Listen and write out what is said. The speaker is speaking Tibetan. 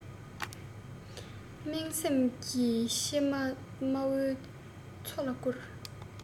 སྨྲེངས སེམས ཀྱི མཆི མ དམའ མོའི མཚོ ལ བསྐུར